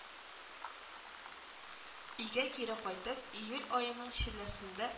Өйгә кире кайтып, июль аеның челләсендә